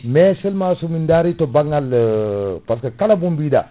mais seulement somin dari to banggal par ce que kala :o biɗa